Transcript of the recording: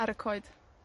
ar y coed.